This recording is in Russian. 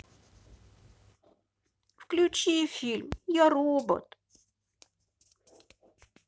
включи фильм я робот